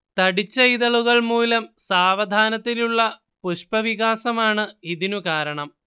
തടിച്ച ഇതളുകൾ മൂലം സാവധാനത്തിലുള്ള പുഷ്പവികാസമാണ് ഇതിനു കാരണം